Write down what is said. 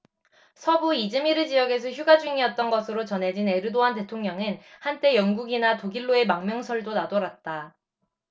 서부 이즈미르 지역에서 휴가 중이었던 것으로 전해진 에르도안 대통령은 한때 영국이나 독일로의 망명설도 나돌았다